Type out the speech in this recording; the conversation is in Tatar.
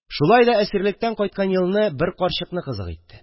Шулай да әсирлектән кайткан елны бер карчыкны кызык итте